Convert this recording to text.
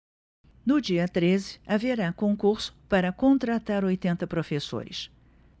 no dia treze haverá concurso para contratar oitenta professores